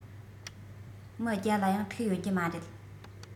མི བརྒྱ ལ ཡང ཐུག ཡོད རྒྱུ མ རེད